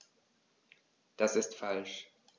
Das ist falsch.